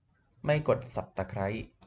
ไม่กดสับตะไคร้